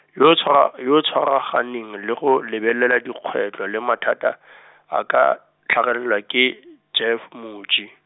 yo o tshwara, yo o tshwaraganeng le go lebelela dikgwetlo le mathata , a ka, tlhagelela ke , Jeff Moji.